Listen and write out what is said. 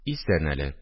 – исән әле